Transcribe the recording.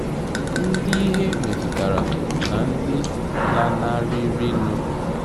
Ndị ihe metụtara na ndị lanarịrịnụ.